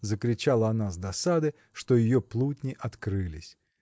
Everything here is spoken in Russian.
– закричала она с досады, что ее плутни открылись.